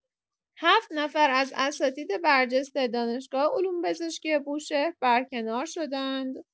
هفت نفر از اساتید برجسته دانشگاه علوم‌پزشکی بوشهر برکنار شدند!